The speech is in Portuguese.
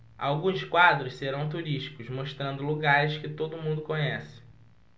alguns quadros serão turísticos mostrando lugares que todo mundo conhece